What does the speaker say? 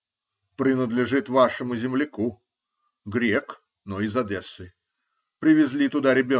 -- Принадлежит вашему земляку. Грек, но из Одессы. Привезли туда ребенком.